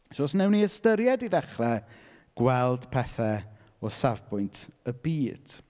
So, os wnawn ni ystyried i ddechrau, gweld pethe o safbwynt y byd.